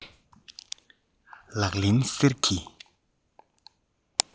ལག ལེན གསེར གྱི